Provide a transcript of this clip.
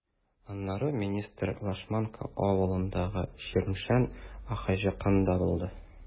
Аннары министр Лашманка авылындагы “Чирмешән” АХҖКында булды.